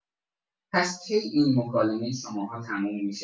پس کی این مکالمه شماها تموم می‌شه؟